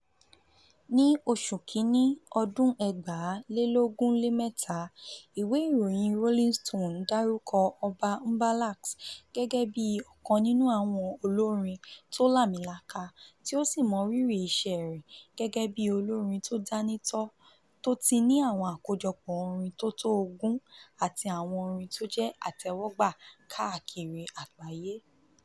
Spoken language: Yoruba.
Ní January 2023, ìwé ìròyìn Rollin Stone dárúkọ ọba Mbalax gẹ́gẹ́ bí ọ̀kan nìnú àwọn olórin tó làmilaka, tí ó sì mọ rírí iṣẹ́ rẹ̀ gẹ́gẹ́ bí olórin tó dánítọ̀ tó ti ní àwọn àkọjọpọ̀ orin tó tó ogun àti àwọn orin tó jẹ́ àtẹ́wọ́gbà káàkiri àgbáyé.